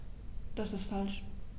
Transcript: Das ist falsch.